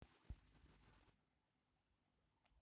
спокойной ночи салют